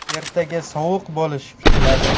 ertaga sovuq bo'lishi kutiladi